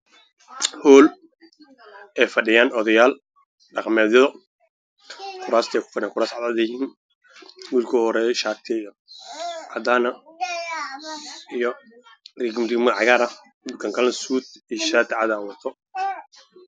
Waa hool waxaa iskugu imaaday niman kuraas cadaan ah